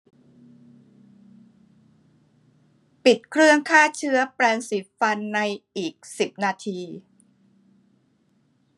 ปิดเครื่องฆ่าเชื้อแปรงสีฟันในอีกสิบนาที